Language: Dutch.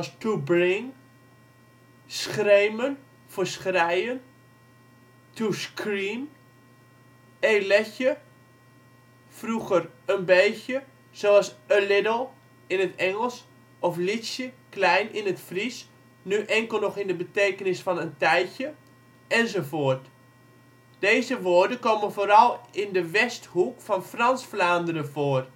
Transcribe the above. to bring), schreemen (voor schreien, to scream), e letje (vroeger ' een beetje ', zoals a little in het Engels of lytsje (klein) in het Fries; nu enkel nog in de betekenis van ' een tijdje ') enzovoort. Deze woorden komen vooral in de Westhoek en Frans-Vlaanderen voor